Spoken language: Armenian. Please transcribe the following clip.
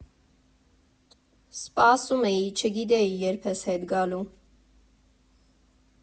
Սպասում էի, չգիտեի՝ երբ ես հետ գալու…